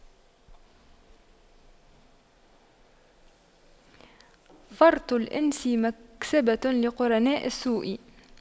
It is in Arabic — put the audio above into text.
فرط الأنس مكسبة لقرناء السوء